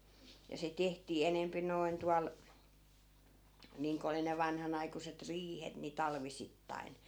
ja se tehtiin enempi noin tuolla niin kuin oli ne vanhanaikuiset riihet niin talvisittain